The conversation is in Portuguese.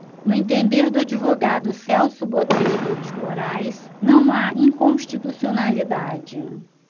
no entender do advogado celso botelho de moraes não há inconstitucionalidade